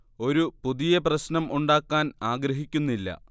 ഒരു പുതിയ പ്രശ്നം ഉണ്ടാക്കാൻ ആഗ്രഹിക്കുന്നില്ല